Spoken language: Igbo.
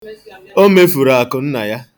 O mefuru akụ nna ya.